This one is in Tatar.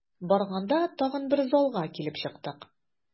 Барганда тагын бер залга килеп чыктык.